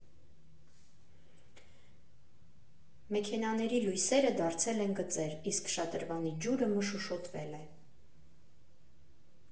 Մեքենաների լույսերը դարձել են գծեր, իսկ շատրվանի ջուրը մշուշոտվել է։